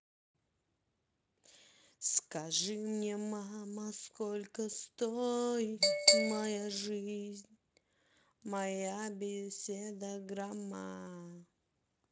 скажи мне мама сколько стоит моя жизнь моя беседа грамма